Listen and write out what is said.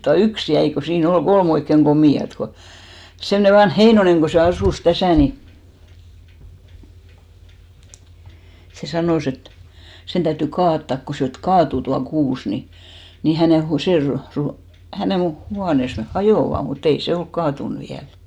tuo yksi jäi kun siinä oli kolme oikein komeata kun semmoinen vanha Heinonen kun se asui tässä niin se sanoi että sen täytyi kaataa kun se että kaatui tuo kuusi niin niin hänen - se -- hänen huoneensa ne hajoavat mutta ei se ole kaatunut vielä